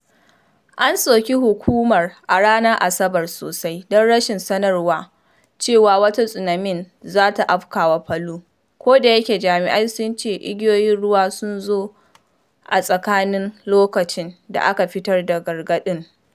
An soki hukumar a ranar Asabar sosai don rashin sanarwa cewa wata tsunami za ta afka wa Palu, kodayake jami’ai sun ce igiyoyin ruwa sun zo a tsakanin loƙacin da aka fitar da gargaɗin.